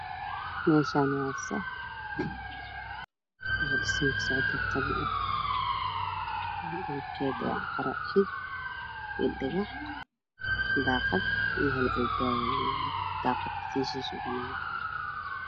Meeshan waa sar oo dhismo kusocoto oo qabyo ah nidabkeeda waa caro xig iyo dhagax daaqad iyo hal albaab uu leeyahay daaqad kasiishishe bananka